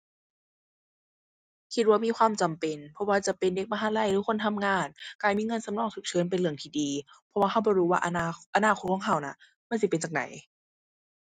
คิดว่ามีความจำเป็น บ่ว่าจะเป็นเด็กมหาลัยหรือคนทำงาน การมีเงินสำรองฉุกเฉินเป็นเรื่องที่ดี เพราะว่าเราบ่รู้ว่าอะนา อนาคตของเราน่ะ มันสิเป็นจั่งใด